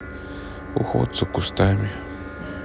уход за кустами